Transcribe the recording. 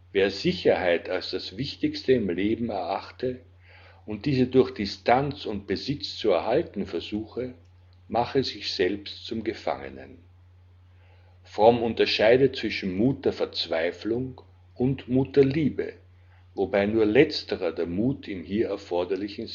Wer Sicherheit als das Wichtigste im Leben erachte und diese durch Distanz und Besitz zu erhalten versuche, mache sich selbst zum Gefangenen. Fromm unterscheidet zwischen Mut der Verzweiflung und Mut der Liebe, wobei nur letzterer der Mut im hier erforderlichen